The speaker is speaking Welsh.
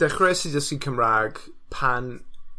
dechreues ti ddysgu Cymrag pan